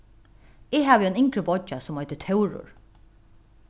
eg havi ein yngri beiggja sum eitur tórur